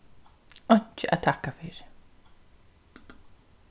einki at takka fyri